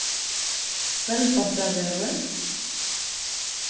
velbastaðvegur